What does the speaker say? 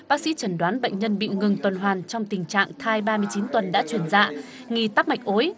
bác sĩ chẩn đoán bệnh nhân bị ngừng tuần hoàn trong tình trạng thai ba mươi chín tuần đã chuyển dạ nghi tắc mạch ối